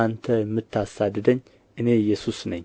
አንተ የምታሳድደኝ እኔ ኢየሱስ ነኝ